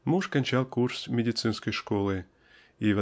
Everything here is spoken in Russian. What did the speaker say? Муж кончал курс "Медицинской школы" и